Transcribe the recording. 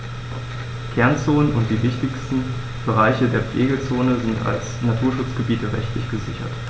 Kernzonen und die wichtigsten Bereiche der Pflegezone sind als Naturschutzgebiete rechtlich gesichert.